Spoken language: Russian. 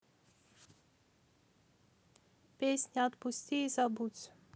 песня отпусти и забудь